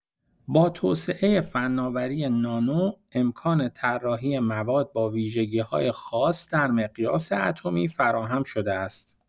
با توسعه فناوری نانو، امکان طراحی مواد با ویژگی‌های خاص در مقیاس اتمی فراهم شده است.